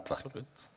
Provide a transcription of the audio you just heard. absolutt.